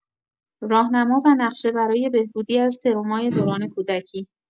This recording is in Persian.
راهنما و نقشه برای بهبودی از ترومای دوران کودکی